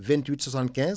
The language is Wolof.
28 75